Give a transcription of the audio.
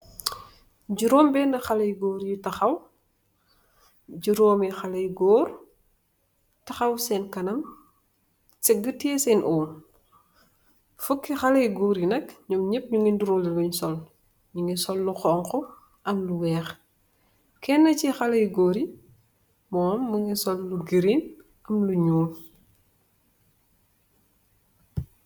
juróom benn xalay góor yu taxaw juróomi xalay góor taxaw seen kanam cegëtee seen uum fokki xalay góor yi nag ñoom ñépp ñu ngi nduróole luñ sol ni ngi sollu xonxu am lu weex kennn ci xalay góor yi moom mu nga sol lu gireen am lu ñoo